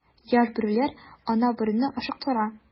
Яшь бүреләр ана бүрене ашыктыра.